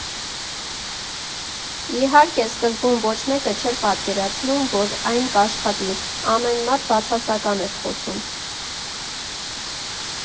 Իհարկե, սկզբում ոչ մեկը չէր պատկերացնում, որ այն կաշխատի, ամեն մարդ բացասական էր խոսում։